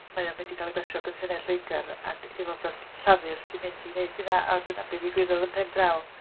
Mae o'n mynd i gael ei basio gan Senedd Lloegr ac aelodau s- Llafur sydd yn mynd i wneud hynna. A dyna beth ddigwyddodd yn pen draw.